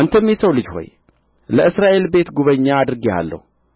አንተም የሰው ልጅ ሆይ ለእስራኤል ቤት ጕበኛ አድርጌሃለሁ